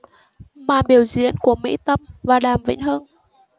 màn biểu diễn của mỹ tâm và đàm vĩnh hưng